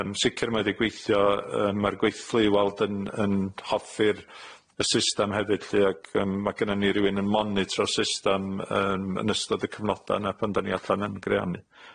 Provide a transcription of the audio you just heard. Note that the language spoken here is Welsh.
Yym sicir ma' 'di gweithio yym ma'r gweithlu i weld yn yn hoffi'r y system hefyd lly ag yym ma' gynnon ni rywun yn monitro system yym yn ystod y cyfnoda yna pan 'dan ni allan yn greanu.